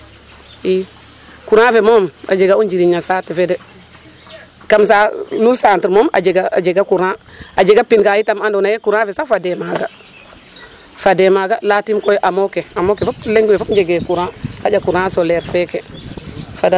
II courant fe moom a jaga o njiriñ no saate fe de kam sa Lul Centre moom a jega courant a jeg pind ka itam andoona yee courant fe sax fadee maaga fadee maaga layatiim koy amo ke amo ke fop leŋ we fop njegee Courant xaƴa courant solaire feke .